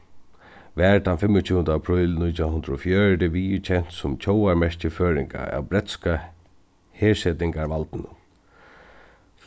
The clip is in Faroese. varð tann fimmogtjúgunda apríl nítjan hundrað og fjøruti viðurkent sum tjóðarmerki føroyinga av bretska hersetingarvaldinum